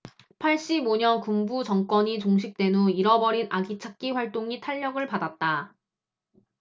팔십 오 년 군부 정권이 종식된 후 잃어버린 아기 찾기 활동이 탄력을 받았다